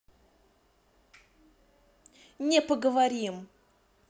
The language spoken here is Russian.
не поговорим